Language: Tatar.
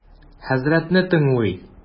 Хәзрәтне тыңлый.